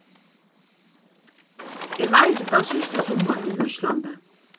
eg lærdi tað síðsta summar í íslandi